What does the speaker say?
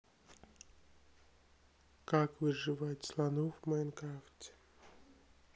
как выживать слону в майнкрафте